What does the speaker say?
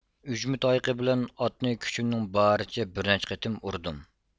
ئۈجمە تايىقى بىلەن ئاتنى كۈچۈمنىڭ بارىچە بىرنەچچە قېتىم ئۇردۇم